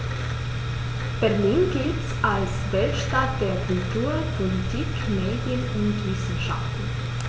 Berlin gilt als Weltstadt der Kultur, Politik, Medien und Wissenschaften.